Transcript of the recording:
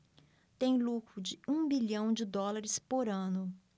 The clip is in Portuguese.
tem lucro de um bilhão de dólares por ano